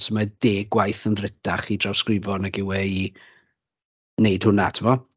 So mae 10 gwaith yn ddrytach i drawsgrifo nag yw e i wneud hwnna, timod.